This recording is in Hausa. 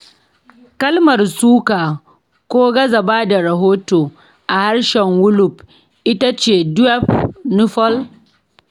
Kalmar 'suka'' ko 'gaza ba da rahoto' a harshen Wolof ita ce 'ndeup neupal' (furta “n-puh n-puh”).